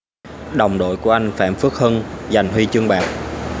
đồng đội của anh phạm phước hưng giành huy chương bạc